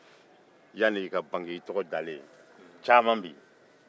yani i ka bange tɔgɔ dalen caman bɛ yen